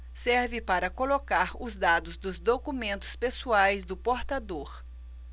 serve para colocar os dados dos documentos pessoais do portador